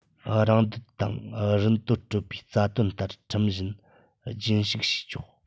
རང འདོད དང རིན དོད སྤྲོད པའི རྩ དོན ལྟར ཁྲིམས བཞིན བརྒྱུད བཤུག བྱས ཆོག